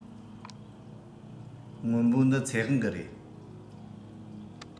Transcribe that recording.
སྔོན པོ འདི ཚེ དབང གི རེད